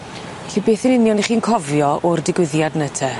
Felly beth yn union i chi'n cofio o'r digwyddiad ny te?